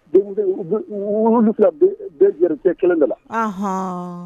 Wu fana bɛɛ garijɛ kelen ka